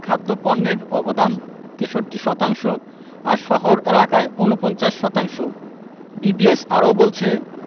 খাদ্যপণ্যের অবদান ৬৩ শতাংশ আর শহর এলাকায় ৪৯ শতাংশ বিবিএস আরও বলছে